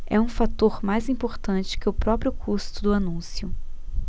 é um fator mais importante que o próprio custo do anúncio